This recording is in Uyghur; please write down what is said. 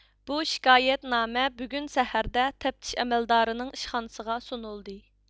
بۇ شىكايەتنامە بۈگۈن سەھەردە تەپتىش ئەمەلدارىنىڭ ئىشخانىسىغا سۇنۇلدى